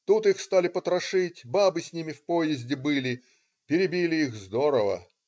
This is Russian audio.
Тут их стали потрошить, бабы с ними в поезде были, перебили их здорово.